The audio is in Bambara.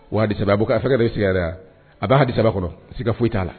Wa saba bɔ a sɛgɛ sigira a b'a ha saba kɔrɔ siiga ka foyi t'a la